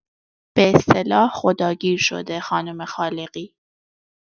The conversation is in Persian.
به اصطلاح خداگیر شده خانم خالقی.